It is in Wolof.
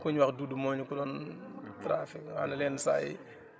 ku ñuy wax Doudou moo énu ko doon tracer yenn saa yi